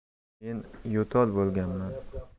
men yo'tal bo'lganman